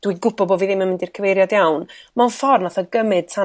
dwi'n gw'bo bo' fi ddim yn mynd i'r cyfeiriad iawn mewn ffor' 'ath o gym'yd tan